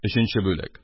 Өченче бүлек